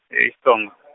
e Xitsonga.